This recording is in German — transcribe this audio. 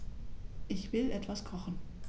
Ich will etwas kochen.